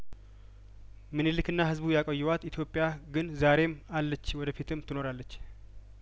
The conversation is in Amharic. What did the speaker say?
ምኒልክና ህዝቡ ያቆይዋት ኢትዮጵያግን ዛሬም አለች ወደፊትም ትኖራለች